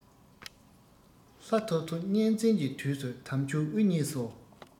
ལྷ ཐོ ཐོ གཉན བཙན གྱི དུས སུ དམ ཆོས དབུ བརྙེས སོ